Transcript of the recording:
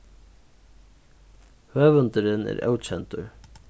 høvundurin er ókendur